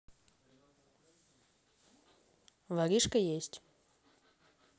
воришка есть